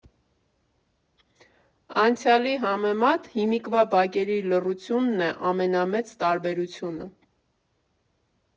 Անցյալի համեմատ հիմիկվա բակերի լռությունն է ամենամեծ տարբերությունը։